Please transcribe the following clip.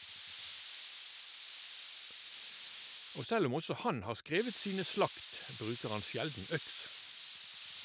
Og selv om også han har skrevet sine slakt, bruker han sjelden øks.